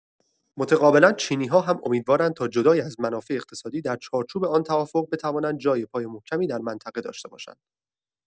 متقابلا چینی‌ها هم امیدوارند تا جدای از منافع اقتصادی، در چارچوب آن توافق بتوانند جای پای محکمی در منطقه داشته باشند.